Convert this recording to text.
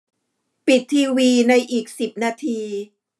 ปิดทีวีในอีกสิบนาที